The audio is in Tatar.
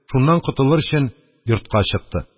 Шуннан котылыр өчен, йортка чыкты.